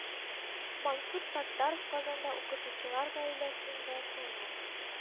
Мансур Саттаров Казанда укытучылар гаиләсендә туган